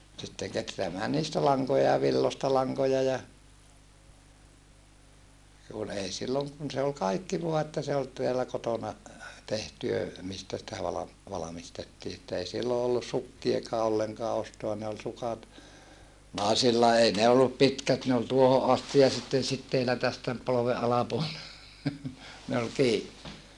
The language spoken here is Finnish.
sitten kehräämään niistä lankoja ja villoista lankoja ja kun ei silloin kun se oli kaikki vain että se oli täällä kotona tehtyä mistä sitä - valmistettiin että ei silloin ollut sukkiakaan ollenkaan ostaa ne oli sukat naisilla ei ne ollut pitkät ne oli tuohon asti ja sitten siteillä tästä polven alapuolelta ne oli kiinni